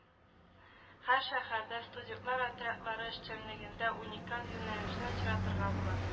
Һәр шәһәрдә студентлар отрядлары эшчәнлегендә уникаль юнәлешне очратырга була